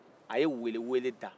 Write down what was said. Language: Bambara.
a ye weele-weele da